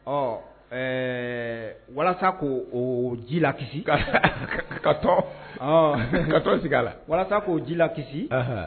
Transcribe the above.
Ɔ ɛɛ walasa k' o ji la kisi ka ka tɔn ka to sigi a la walasa k'o ji la kisi